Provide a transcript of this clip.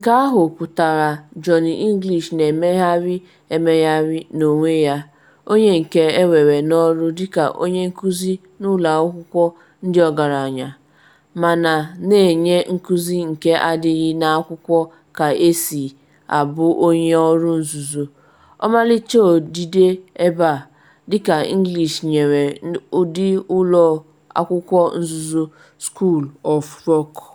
Nke ahụ pụtara Johnny English na-emegheri emegheri n’onwe ya, onye nke ewere n’ọrụ dịka onye nkuzi n’ụlọ akwụkwọ ndị ọgaranya, mana na-enye nkuzi nke adịghị n’akwụkwọ ka-esi a bụ onye ọrụ nzuzo: ọmalịcha odide ebe a, dịka English nyere ụdị ụlọ akwụkwọ nzuzo School of Rock.